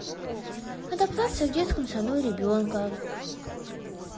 адаптация в детском саду ребенка